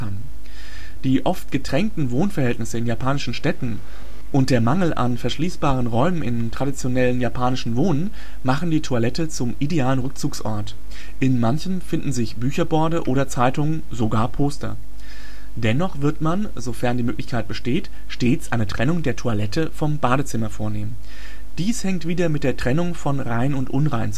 der Mangel an verschließbaren Räumen im traditionellen japanischen Wohnen machen die Toilette zum idealen Rückzugsort. In manchen finden sich Bücherborde oder Zeitungen, sogar Poster. Dennoch wird man, sofern die Möglichkeit besteht, stets eine Trennung der Toilette vom Badezimmer vornehmen. Dies hängt wieder mit der Trennung von „ rein “und „ unrein